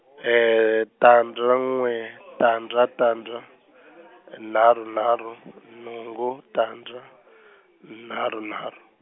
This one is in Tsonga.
tandza n'we tandza tandza, nharhu nharhu, nhungu tandza, nharhu nharhu.